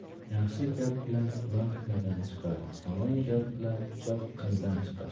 yaxshi gap bilan ilon inidan chiqar yomon gap bilan pichoq qinidan chiqar